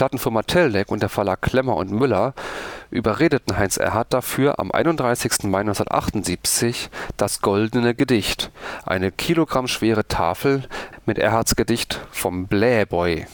Teldec und der Verlag Klemner und Müller überreichten Heinz Erhardt dafür am 31. Mai 1978 „ Das Goldene Gedicht “, eine kilogrammschwere Tafel mit Erhardts Gedicht vom „ Blähboy